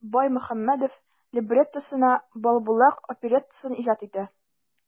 Баймөхәммәдев либреттосына "Балбулак" опереттасын иҗат итә.